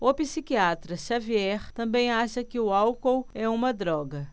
o psiquiatra dartiu xavier também acha que o álcool é uma droga